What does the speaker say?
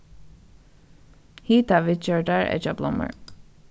hitaviðgjørdar eggjablommur